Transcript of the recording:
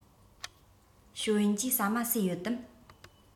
ཞའོ ཡན གྱིས ཟ མ ཟོས ཡོད དམ